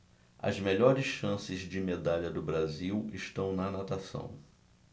as melhores chances de medalha do brasil estão na natação